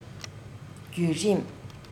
བརྒྱུད རིམ